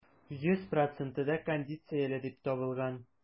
Йөз проценты да кондицияле дип табылган.